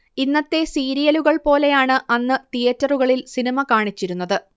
ഇന്നത്തെ സീരിയലുകൾ പോലെയാണ് അന്ന് തിയറ്ററുകളിൽ സിനിമ കാണിച്ചിരുന്നത്